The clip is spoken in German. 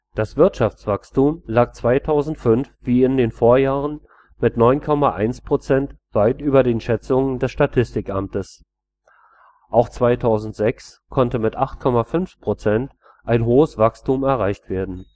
Das Wirtschaftswachstum lag 2005 wie in den Vorjahren mit 9,1 % weit über den Schätzungen des Statistikamtes. Auch 2006 konnte mit 8,5 Prozent ein hohes Wachstum erreicht werden